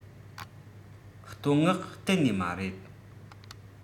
བསྟོད བསྔགས གཏན ནས མ རེད